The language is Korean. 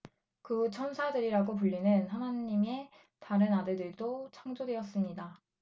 그 후 천사들이라고 불리는 하느님의 다른 아들들도 창조되었습니다